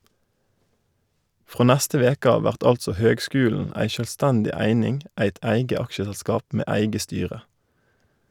Frå neste veke av vert altså høgskulen ei sjølvstendig eining, eit eige aksjeselskap med eige styre.